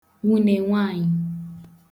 nwune nwaànyị̄